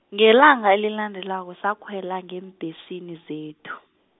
ngelanga elilandelako sakhwela ngeembhesini zethu.